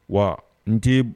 Wa n tɛ